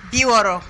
Bi wɔɔrɔ